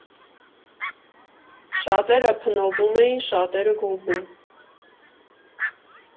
Շատերը փնովում էին, շատերը գովում։